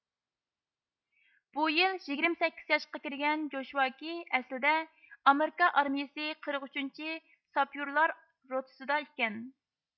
بۇ يىل يىگىرمە سەككىز ياشقا كىرگەن جوشۋاكىي ئەسلىدە ئامېرىكا ئارمىيىسى قىرىق ئۈچىنچى ساپيۇرلار روتىسىدا ئىكەن